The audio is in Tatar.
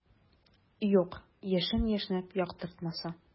Юк, яшен яшьнәп яктыртмаса.